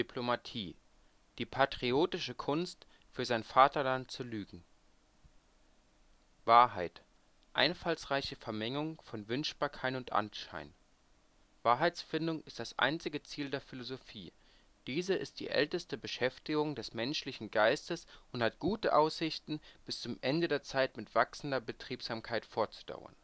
Diplomatie: Die patriotische Kunst, für sein Vaterland zu lügen. “„ Wahrheit: Einfallsreiche Vermengung von Wünschbarkeit und Anschein. Wahrheitsfindung ist das einzige Ziel der Philosophie; diese ist die älteste Beschäftigung des menschlichen Geistes und hat gute Aussichten, bis zum Ende der Zeit mit wachsender Betriebsamkeit fortzudauern